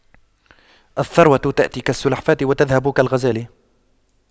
الثروة تأتي كالسلحفاة وتذهب كالغزال